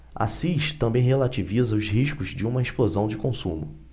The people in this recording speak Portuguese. assis também relativiza os riscos de uma explosão do consumo